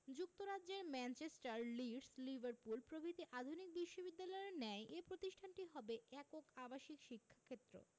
যুক্তরাজ্যের Manchester Leeds Liverpool প্রভৃতি আধুনিক বিশ্ববিদ্যালয়ের ন্যায় এ প্রতিষ্ঠানটি হবে একক আবাসিক শিক্ষাক্ষেত্র